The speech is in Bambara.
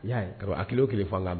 Y'a karamɔgɔ a hakili kelen fan la